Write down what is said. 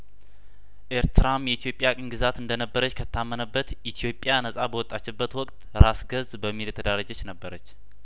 ኤርትራም የኢትዮጵያ ቅኝ ግዛት እንደነበረች ከታመነበት ኢትዮጵያነጻ በወጣችበት ወቅት ራስ ገዝ በሚል የተደራጀች ነበረች